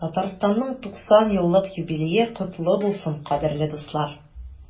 Татарстанның 90 еллык юбилее котлы булсын, кадерле дуслар!